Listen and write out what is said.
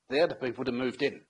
They are the people that moved in.